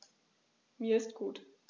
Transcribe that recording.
Mir ist gut.